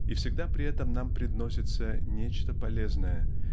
и всегда при этом нам преподносится нечто полезное